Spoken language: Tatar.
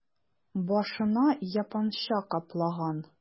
Башына япанча каплаган...